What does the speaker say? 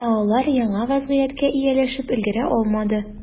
Ә алар яңа вәзгыятькә ияләшеп өлгерә алмады.